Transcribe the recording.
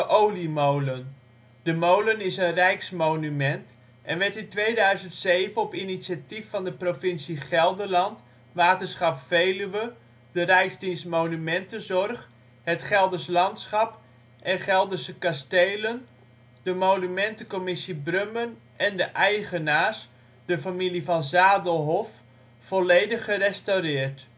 Oliemolen ". De molen is een Rijksmonument, en werd in 2007 op initiatief van de provincie Gelderland, Waterschap Veluwe, de Rijksdienst Monumentenzorg, Het Geldersch Landschap en Geldersche Kasteelen, de Monumentencommissie Brummen en de eigenaars, de familie Van Zadelhoff, volledig gerestaureerd